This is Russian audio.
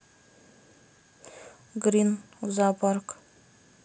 green в зоопарк